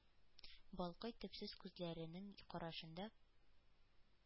Балкый төпсез күзләренең карашында,